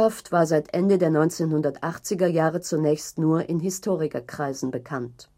1980er-Jahre zunächst nur in Historikerkreisen bekannt